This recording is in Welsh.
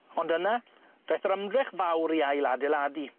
Ond yna, daeth yr ymdrech fawr i ail-adeladu.